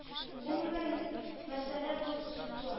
Гомум мәсьәлә булып килеп туа